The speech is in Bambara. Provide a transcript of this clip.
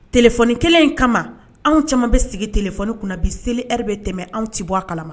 T kelen in kama anw caman bɛ sigi tfoni kunna bi seli yɛrɛ bɛ tɛmɛ anw ci bɔ kalama